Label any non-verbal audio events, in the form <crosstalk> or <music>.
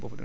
<hesitation>